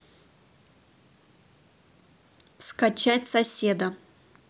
скачать соседа